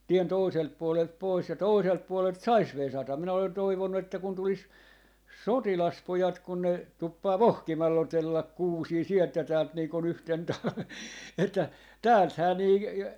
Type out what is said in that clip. tien toiselta puolelta pois ja toiselta puolelta saisi vesata minä olen toivonut että kun tulisi sotilaspojat kun ne tuppaa vohkimalla otella kuusia sieltä ja täältä niin kuin yhtenä talvena että täältähän niin